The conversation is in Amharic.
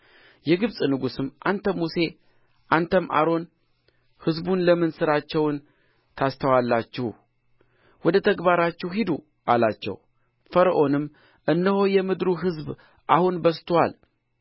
የግብፅ ንጉሥም አንተ ሙሴ አንተም አሮን ሕዝቡን ለምን ሥራቸውን ታስተዋላችሁ ወደ ተግባራችሁ ሂዱ አላቸው ፈርዖንም እነሆ የምድሩ ሕዝብ አሁን በዝቶአል